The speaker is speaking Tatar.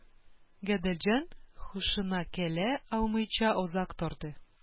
Гаделҗан һушына килә алмыйча озак торды